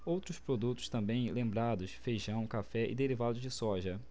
outros produtos também lembrados feijão café e derivados de soja